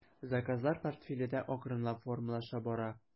Заказлар портфеле дә акрынлап формалаша бара.